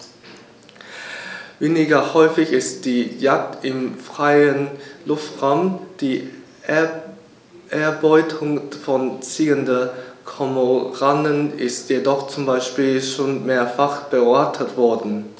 Weniger häufig ist die Jagd im freien Luftraum; die Erbeutung von ziehenden Kormoranen ist jedoch zum Beispiel schon mehrfach beobachtet worden.